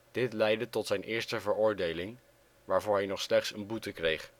Dit leidde tot zijn eerste veroordeling, waarvoor hij nog slechts een boete kreeg